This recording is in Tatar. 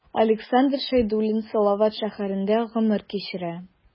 Александр Шәйдуллин Салават шәһәрендә гомер кичерә.